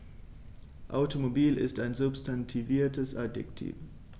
Automobil ist ein substantiviertes Adjektiv.